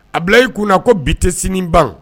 A bila i kun na na ko bi tɛ sini ban